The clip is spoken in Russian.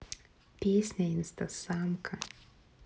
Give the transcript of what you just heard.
песня instasamka